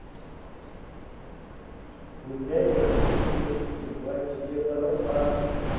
гуляй россия и плачь европа